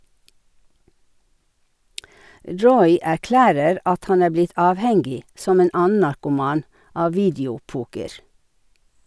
Roy erklærer at han er blitt avhengig, som en annen narkoman, av video-poker.